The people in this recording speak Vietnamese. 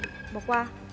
bỏ qua